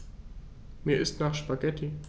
Mir ist nach Spaghetti.